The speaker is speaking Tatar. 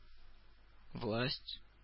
Власть